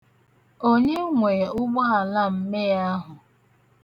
Onye nwe ụgbaala mmee ahụ?